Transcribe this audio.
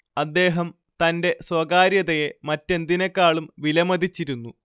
അദ്ദേഹം തന്റെ സ്വകാര്യതയെ മറ്റെന്തിനേക്കാളും വിലമതിച്ചിരുന്നു